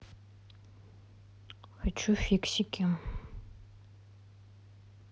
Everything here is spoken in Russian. хочу фиксики